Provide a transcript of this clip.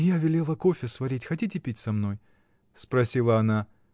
— Я велела кофе сварить, хотите пить со мной? — спросила она.